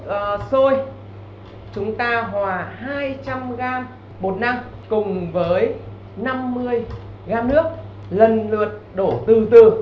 ờ sôi chúng ta hòa hai trăm gam bột năng cùng với năm mươi gam nước lần lượt đổ từ từ